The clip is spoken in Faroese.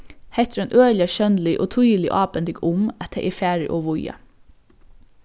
hetta er ein øgiliga sjónlig og týðilig ábending um at tað er farið ov víða